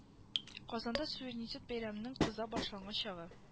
Казанда суверенитет бәйрәменең кыза башлаган чагы